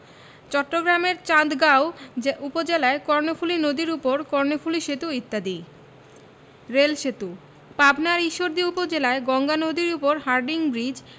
চট্টগ্রামের চান্দগাঁও উপজেলায় কর্ণফুলি নদীর উপর কর্ণফুলি সেতু ইত্যাদি রেল সেতুঃ পাবনার ঈশ্বরদী উপজেলায় গঙ্গা নদীর উপর হার্ডিন ব্রিজ